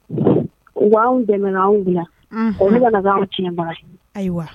Wa anw tɛmɛna anw bila olu nana' anw tiɲɛ